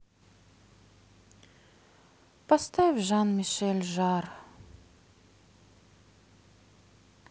поставь жан мишель жарр